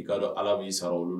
I'a don ala b'i sara olu la